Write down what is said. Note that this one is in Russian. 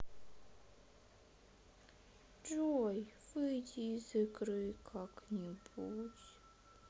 джой выйди из игры как нибудь